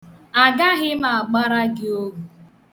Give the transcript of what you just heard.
Agaghị m agbara gị ohu.